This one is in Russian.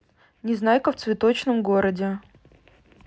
незнайка в цветочном городе